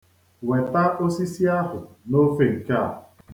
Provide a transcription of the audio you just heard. Weta osisi ahụ n'ofe nke a.